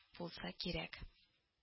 Булса кирәк